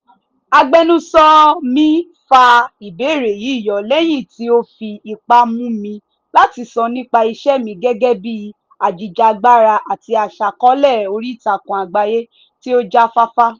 Agbẹnusọ mi fa ìbéèrè yìí yọ lẹ́yìn tí ó fi ipá mú mi láti sọ nípa iṣẹ́ mi gẹ́gẹ́ bíi ajìjàgbara àti aṣàkọọ́lẹ̀ oríìtakùn àgbáyé tí ó jáfáfá.